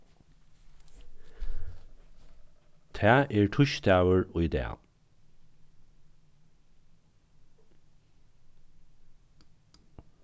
tað er týsdagur í dag